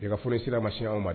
I ka fonisi sira ma si anw ma